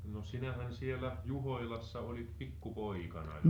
no sinähän siellä Juhoilassa olit pikku poikana jo